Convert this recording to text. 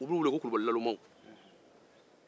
u b'u weele ko kulubali nalomaw